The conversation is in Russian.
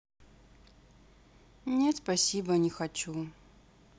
нет спасибо не хочу